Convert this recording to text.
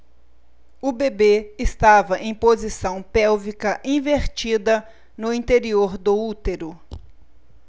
o bebê estava em posição pélvica invertida no interior do útero